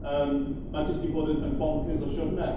Yym, ma' jyst 'di bod yn yn bonkers o siwrne.